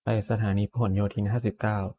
ไปสถานีพหลโยธินห้าสิบเก้า